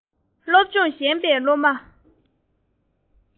སློབ སྦྱོང ཞན པའི སློབ མ